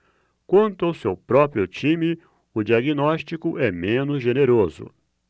quanto ao seu próprio time o diagnóstico é menos generoso